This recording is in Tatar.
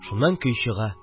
Шуннан көй чыга